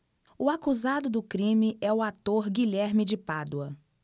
o acusado do crime é o ator guilherme de pádua